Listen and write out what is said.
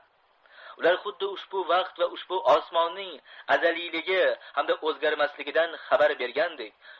ular xuddi ushbu vaqt va ushbu osmonning azaliyligi hamda o'zgarmasligidan xabar bergandek